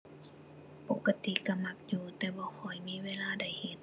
ปกติก็มักอยู่แต่บ่ค่อยมีเวลาได้เฮ็ด